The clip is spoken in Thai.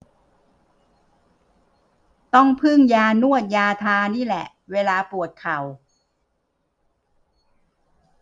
ต้องพึ่งยานวดยาทานี่แหละเวลาปวดเข่า